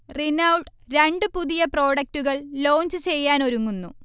Renault രണ്ട് പുതിയ പ്രൊഡക്ടുകൾ ലോഞ്ച് ചെയ്യാനൊരുങ്ങുന്നു